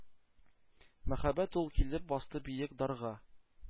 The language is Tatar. Мәһабәт ул килеп басты биек «дар»га.